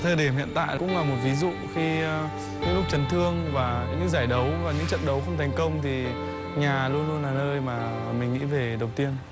thời điểm hiện tại cũng là một ví dụ khi lúc chấn thương và những giải đấu những trận đấu không thành công thì nhà luôn luôn là nơi mà mình nghĩ về đầu tiên